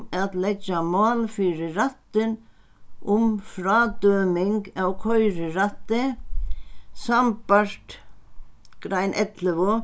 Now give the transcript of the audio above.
at leggja mál fyri rættin um frádøming av koyrirætti sambært grein ellivu